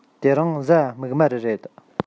དེ རིང གཟའ མིག དམར རེད